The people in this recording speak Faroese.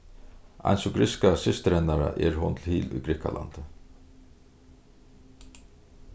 eins og grikska systir hennara er hon til í grikkalandi